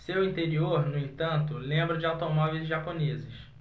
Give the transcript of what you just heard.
seu interior no entanto lembra o de automóveis japoneses